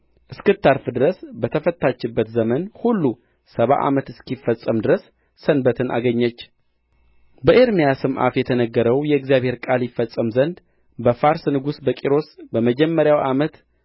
እስክታርፍ ድረስ በተፈታችበትም ዘመን ሁሉ ሰባ ዓመት እስኪፈጸም ድረስ ሰንበትን አገኘች በኤርምያስም አፍ የተነገረው የእግዚአብሔር ቃል ይፈጸም ዘንድ በፋርስ ንጉሥ በቂሮስ በመጀመሪያው ዓመት